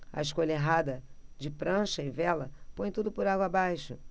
a escolha errada de prancha e vela põe tudo por água abaixo